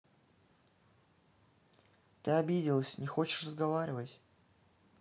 ты обиделась не хочешь разговаривать